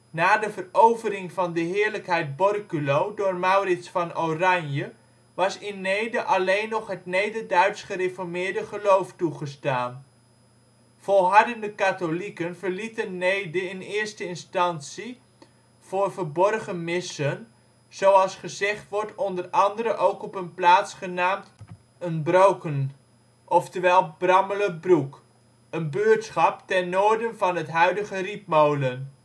Na de verovering van de Heerlijkheid Borculo door Maurits van Oranje was in Neede alleen nog het Nederduits-gereformeerde geloof toegestaan. Volhardende katholieken verlieten Neede in eerste instantie voor verborgen missen, zoals gezegd wordt onder andere ook op een plaats genaamd ' n Brook 'n, ofwel Brammelerbroek, een buurtschap ten noorden van het huidige Rietmolen